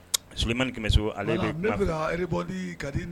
Mani kɛmɛ so ka di